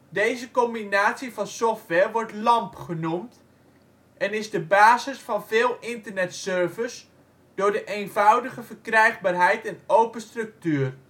Deze combinatie van software wordt LAMP genoemd en is de basis van veel internetservers door de eenvoudige verkrijgbaarheid en open structuur